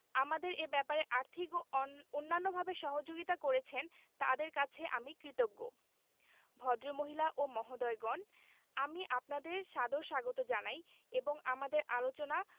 আমাদের এ ব্যাপারে আর্থিক এবং অন্যান্যভাবে সহযোগিতা করেছেন তাঁদের কাছে আমি কৃতজ্ঞ ভদ্রমহিলা ও মহোদয়গণ আমি আপনাদের সাদর স্বাগত জানাই এবং আমাদের আলোচনা